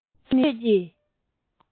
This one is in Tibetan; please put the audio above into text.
འདི ནི ཁྱོད ཀྱིས